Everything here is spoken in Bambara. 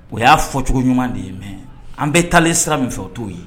O y'a fɔcogo ɲuman de ye mɛ an bɛ taalen sira min fɛ o t'o ye